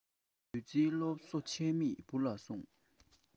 བདུད རྩིའི སློབ གསོ ཆད མེད བུ ལ གསུང